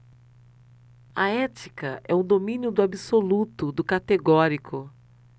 a ética é o domínio do absoluto do categórico